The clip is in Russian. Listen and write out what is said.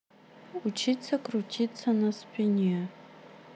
учиться крутиться на спине